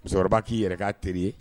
Musokɔrɔba k'i yɛrɛ' teri ye